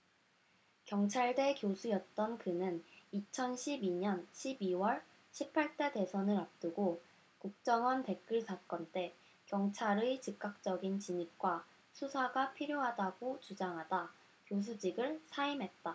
경찰대 교수였던 그는 이천 십 이 년 십 이 월 십 팔 대 대선을 앞두고 국정원 댓글 사건 때 경찰의 즉각적인 진입과 수사가 필요하다고 주장하다 교수직을 사임했다